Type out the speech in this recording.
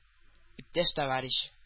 Иптәш-товарищ